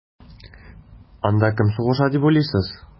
Анда кем сугыша дип уйлыйсыз?